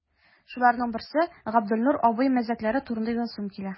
Шуларның берсе – Габделнур абый мәзәкләре турында язасым килә.